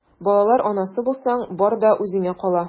Балалар анасы булсаң, бар да үзеңә кала...